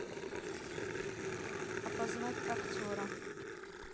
опознать актера